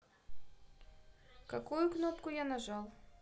какую кнопку я нажал